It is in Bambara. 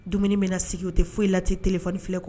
Dumuni bɛna na sigi u o tɛ foyi la tɛ telefi filɛ kɔnɔ